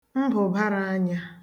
mbụ̀bàrànyā